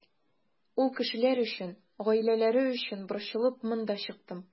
Ул кешеләр өчен, гаиләләре өчен борчылып монда чыктым.